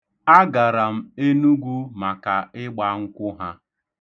Agara m Enugwu maka ịgba nkwụ ha.